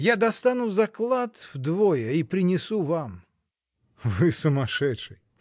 я достану заклад вдвое и принесу вам. — Вы сумасшедший!